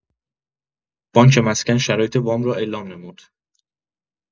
بانک مسکن شرایط وام را اعلام نمود.